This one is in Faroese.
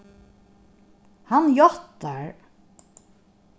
hann játtar